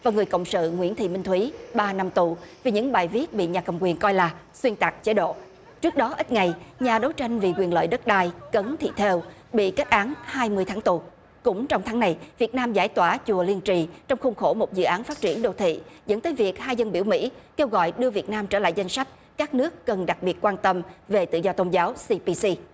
và người cộng sự nguyễn thị minh thúy ba năm tù vì những bài viết bị nhà cầm quyền coi là xuyên tạc chế độ trước đó ít ngày nhà đấu tranh vì quyền lợi đất đai cấn thị thêu bị kết án hai mươi tháng tù cũng trong tháng này việt nam giải tỏa chùa liên trì trong khuôn khổ một dự án phát triển đô thị dẫn tới việc hai dân biểu mỹ kêu gọi đưa việt nam trở lại danh sách các nước cần đặc biệt quan tâm về tự do tôn giáo si pi si